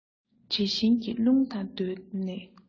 དྲི བཞིན གྱི རླུང དང བསྡོངས ནས